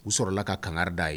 U sɔrɔla la ka kanga daa ye